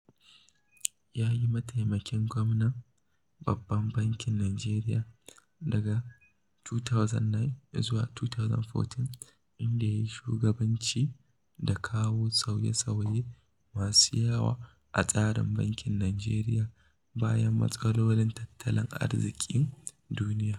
Ya yi mataimakin gwamnan Babban Bankin Najeriya daga 2009 zuwa 2014, inda "ya yi shugabanci da kawo sauye-sauye masu yawa a tsarin bankin Najeriya bayan matsalolin tattalin arziƙin duniya."